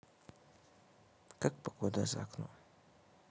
как погода за окном